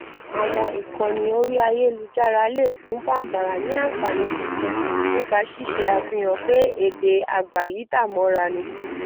Àwọn ìkànnì orí ayélujára lè fún Bambara ní àǹfààní tuntun nípa ṣíṣe àfihàn pé èdè agbàyídàmọ́ra ni.